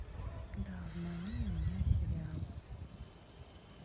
да обмани меня сериал